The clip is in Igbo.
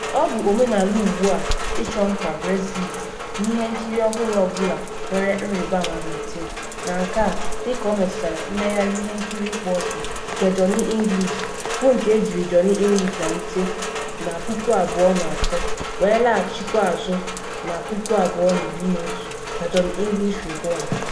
Ọ bụ omenala ugbu a ịchọ mkpa Brexit n’ihe nkiri ọhụrụ ọ bụla nwere nribama Britain, na nke a dịka ọ metụtara mmegharị ihe nkiri ịkpa ọchị nke Johnny English - bụ nke ejiri Johnny English malite na 2003, wee laghachikwa azụ na 2011 ka Johnny English Reborn.